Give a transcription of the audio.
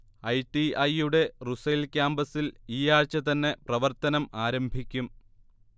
I. T. I യുടെ Rusail ക്യാമ്പസ്സിൽ ഈയാഴ്ച്ച തന്നെ പ്രവർത്തനം ആരംഭിക്കും